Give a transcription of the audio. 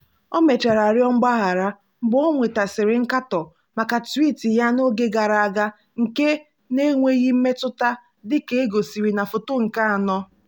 O mechara rịọ mgbaghara, mgbe o nwetasịrị nkatọ, maka twiiti ya n'oge gara aga nke "na-enweghị mmetụta" dịka e gosiri na Foto nke 4.